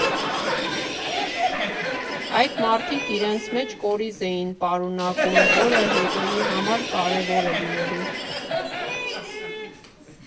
Այդ մարդիկ իրենց մեջ կորիզն էին պարունակում, որը հետոյի համար կարևոր է լինելու։